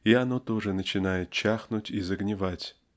и оно тоже начинает чахнуть и загнивать.